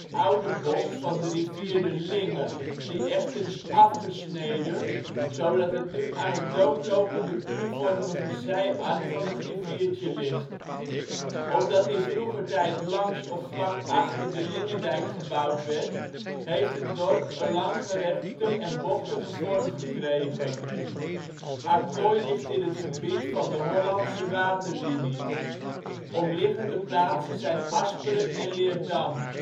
oude bocht van de rivier de Linge die echter is afgesneden, zodat het nu aan een doodlopende U-vormige zijarm van het riviertje ligt. Omdat in vroeger tijd langs of vlak achter de Lingedijk gebouwd werd, heeft het dorp een langgerekte en bochtige vorm gekregen. Acquoy ligt in het gebied van de Hollandse Waterlinie. Omliggende plaatsen zijn Asperen en Leerdam